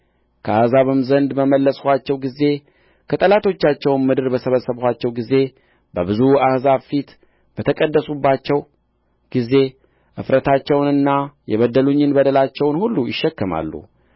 ከአሕዛብም ዘንድ በመለስኋቸው ጊዜ ከጠላቶቻቸውም ምድር በሰበሰብኋቸው ጊዜ በብዙ አሕዛብም ፊት በተቀደስሁባቸው ጊዜ እፍረታቸውንና የበደሉኝን በደላቸውን ሁሉ ይሸከማሉ